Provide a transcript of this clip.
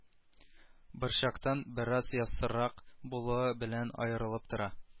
Борчактан бераз яссырак булуы белән аерылып тора